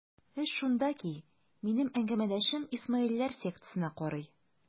Эш шунда ки, минем әңгәмәдәшем исмаилләр сектасына карый.